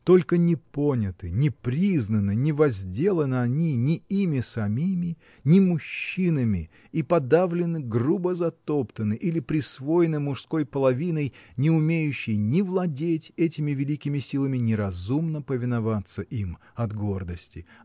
Только не поняты, не признаны, не возделаны они, ни ими самими, ни мужчинами, и подавлены, грубо затоптаны или присвоены мужской половиной, не умеющей ни владеть этими великими силами, ни разумно повиноваться им, от гордости.